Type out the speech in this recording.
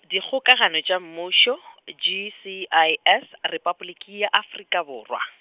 Dikgokagano tša Mmušo , G C I S, Repabliki ya Afrika Borwa.